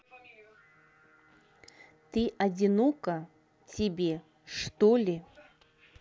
ты одинока тебе чтоли